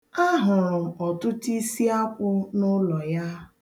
A hụrụ m ọtụtụ isiakwụ n'ụlọ ya.